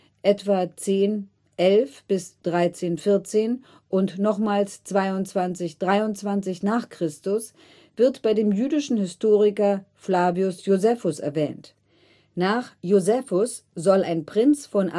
etwa 10/11 bis 13/14 und nochmals 22/23 n. Chr.) wird bei dem jüdischen Historiker Flavius Josephus erwähnt. Nach Josephus soll ein Prinz von